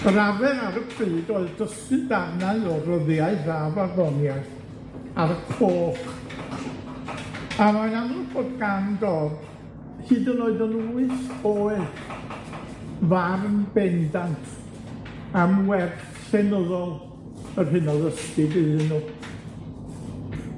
yr arfer ar y pryd oedd dysgu darnau o ryddiaith a farddoniaeth ar y côc, a mae'n amlwg bod gan Dodd, hyd yn oed yn wyth oed, farn bendant am werth llenyddol yr hyn a ddysgid iddyn nw.